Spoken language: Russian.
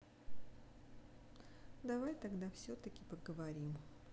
давай тогда все таки поговорим